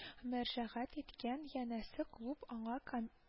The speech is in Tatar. Мәрҗәгать иткән, янәсе, клуб аңа комп